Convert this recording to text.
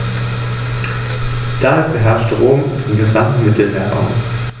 Durch das Rahmenkonzept des Biosphärenreservates wurde hier ein Konsens erzielt.